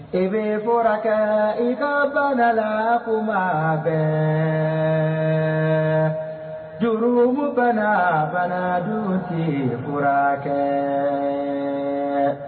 I bɛ furakɛ i ka bana la kun ma bɛɛ. Jurumu bana , bana dun ti furakɛ tuma bɛɛ